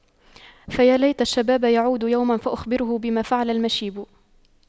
فيا ليت الشباب يعود يوما فأخبره بما فعل المشيب